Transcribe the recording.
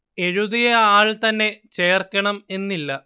എഴുതിയ ആൾ തന്നെ ചേർക്കണം എന്നില്ല